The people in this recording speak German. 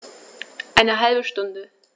Eine halbe Stunde